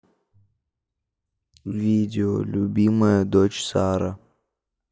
видео любимая дочь сара